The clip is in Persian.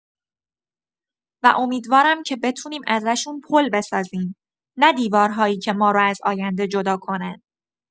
و امیدوارم که بتونیم ازشون پل بسازیم، نه دیوارهایی که ما رو از آینده جدا کنن.